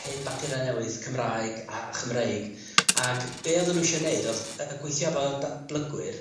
hen bapure newydd Cymraeg a Chymreig, ag be' odden nw isio neud odd yy gweitho efo datblygwyr